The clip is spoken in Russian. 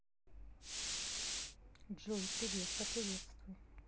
джой привет поприветствуй